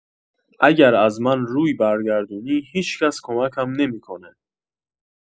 اگر از من روی برگردونی هیچکس کمکم نمی‌کنه